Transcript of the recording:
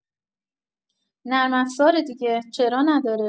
نرم افزاره دیگه، چرا نداره!